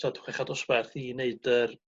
t'od chwechad dosbarth i neud yr